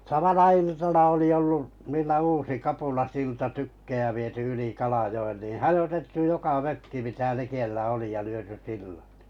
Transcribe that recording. samana iltana oli ollut niillä uusi kapulasilta tykkejä viety yli Kalajoen niin hajotettu joka mökki mitä likellä oli ja lyöty sillat